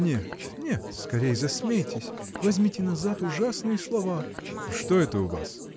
Нет, нет, скорей засмейтесь, возьмите назад ужасные слова!. — Что это у вас?